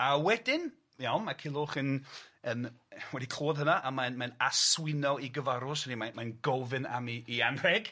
A wedyn iawn ma' Culhwch yn yn wedi clywed hynna a mae'n mae'n aswynaw 'i gyfarws hynny yw mae mae'n gofyn am ei ei anrheg...